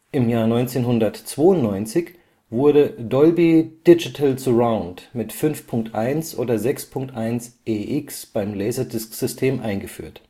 1992 wurde „ Dolby Digital Surround “mit 5.1 oder 6.1 EX beim LaserDisc-System eingeführt